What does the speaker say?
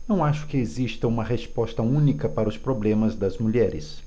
não acho que exista uma resposta única para os problemas das mulheres